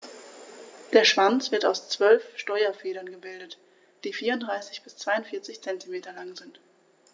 Der Schwanz wird aus 12 Steuerfedern gebildet, die 34 bis 42 cm lang sind.